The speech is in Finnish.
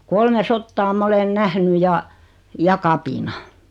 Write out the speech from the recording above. kolme sotaa minä olen nähnyt ja ja kapinan